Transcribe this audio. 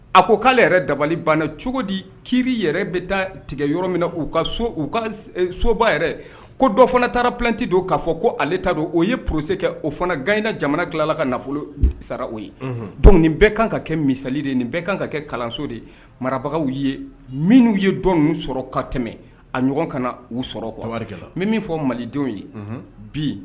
A ko k'ale yɛrɛ dabali ban cogo di kiiri yɛrɛ bɛ taa tigɛ yɔrɔ min na uu ka so ka soba yɛrɛ ko dɔ fana taara pti don k'a fɔ ko ale'a don o ye pose kɛ o fana gan inda jamana kila ka nafolo sara o ye don nin bɛɛ kan ka kɛ misali ye nin bɛɛ kan ka kɛ kalanso de ye marabagaww ye minnu ye dɔn sɔrɔ ka tɛmɛ a ɲɔgɔn ka uu sɔrɔ min min fɔ malidenw ye bi